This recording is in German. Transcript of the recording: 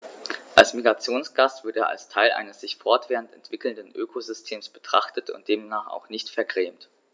Als Migrationsgast wird er als Teil eines sich fortwährend entwickelnden Ökosystems betrachtet und demnach auch nicht vergrämt.